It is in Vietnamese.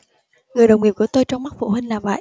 người đồng nghiệp của tôi trong mắt phụ huynh là vậy